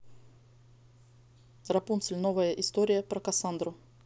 рапунцель новая история про кассандру